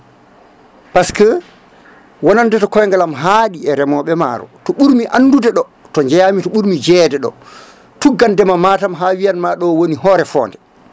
par ce que wonande to koygalam haaɗi e reemoɓe maaro to ɓuurmi andude ɗo to jeeyami to ɓuurmi jeeyede ɗo tuggandema Matam ha wiyanma ɗo woni Oréfondé